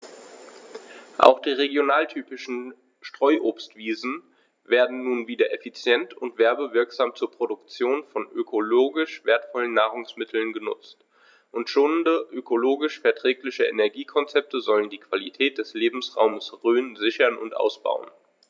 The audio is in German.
Auch die regionaltypischen Streuobstwiesen werden nun wieder effizient und werbewirksam zur Produktion von ökologisch wertvollen Nahrungsmitteln genutzt, und schonende, ökologisch verträgliche Energiekonzepte sollen die Qualität des Lebensraumes Rhön sichern und ausbauen.